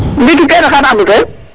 ndiki kene xan andu ten